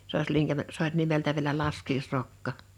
se - olisi linkämä se oli nimeltä vielä laskiaisrokka